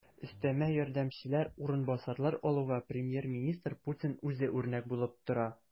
Өстәмә ярдәмчеләр, урынбасарлар алуга премьер-министр Путин үзе үрнәк булып тора.